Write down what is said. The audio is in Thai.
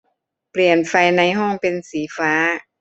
เปลี่ยนไฟในห้องเป็นสีฟ้า